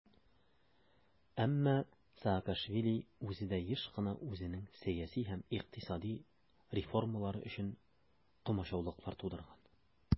Әмма Саакашвили үзе дә еш кына үзенең сәяси һәм икътисади реформалары өчен комачаулыклар тудырган.